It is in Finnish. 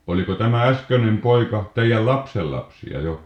oliko tämä äskeinen poika teidän lapsenlapsia jo